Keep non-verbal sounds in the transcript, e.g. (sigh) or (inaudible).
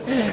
(hesitation) (hesitation)